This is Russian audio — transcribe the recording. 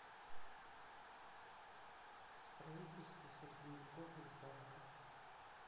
строительство средневековых замков